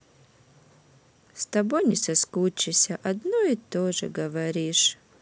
с тобой не соскучишься одно и тоже говоришь